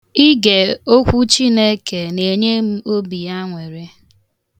Ige okwu Chineke na-enye m obi aṅụrị.